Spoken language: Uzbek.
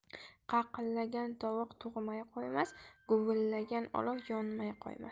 qaqillagan tovuq tug'may qo'ymas guvillagan olov yonmay qo'ymas